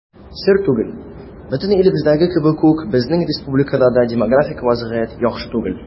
Сер түгел, бөтен илебездәге кебек үк безнең республикада да демографик вазгыять яхшы түгел.